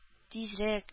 Тизрәк